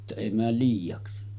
että ei mene liiaksi